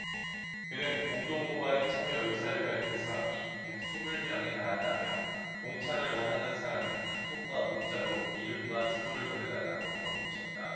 그는 공동 고발인 참여 의사를 밝힌 사람이 백 스물 명에 달한다며 동참을 원하는 사람은 카톡과 문자로 이름과 주소를 보내달라고 덧붙였다